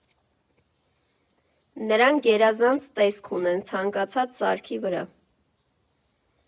Նրանք գերազանց տեսք ունեն ցանկացած սարքի վրա։